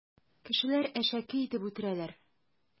Кешеләр әшәке итеп үтерәләр.